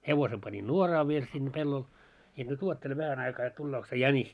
hevosen pani nuoraan vielä sinne pellolle ja nyt odottele vähän aikaa jotta tulee se jänis